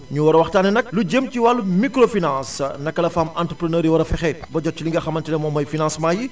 ñu war a waxtaanee nag lu jëm ci wàllu microfinance naka la femme entrepreneur yi war a fexee ba jot ci li nga xamante ne moom mooy financements yi